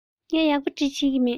ངས ཡག པོ འབྲི ཤེས ཀྱི མེད